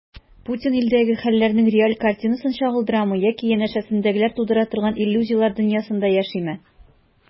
Путин илдәге хәлләрнең реаль картинасын чагылдырамы яки янәшәсендәгеләр тудыра торган иллюзияләр дөньясында яшиме?